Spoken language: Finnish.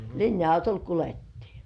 linja-autolla kuljettiin